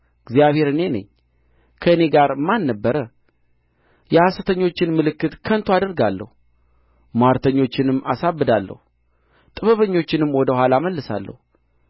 እግዚአብሔር እኔ ነኝ ከእኔ ጋር ማን ነበረ የሐሰተኞችን ምልክት ከንቱ አደርጋለሁ ምዋርተኞችንም አሳብዳለሁ ጥበበኞቹንም ወደ ኋላ እመልሳለሁ